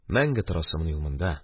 Мәңге торасымыни ул монда.